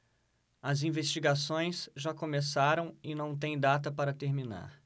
as investigações já começaram e não têm data para terminar